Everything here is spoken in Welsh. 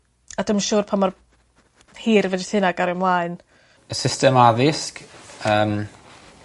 a dwi'm yn siŵr pa mor hir fedrith hynna gario mlaen. Y system addysg. Yym.